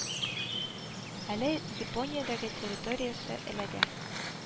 Әле Япониядәге территориясе эләгә